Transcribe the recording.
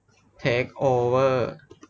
เทคโอเวอร์